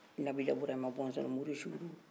nabila burɛma morisiw do